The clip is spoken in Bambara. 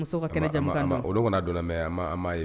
Olu kana donna lamɛn ye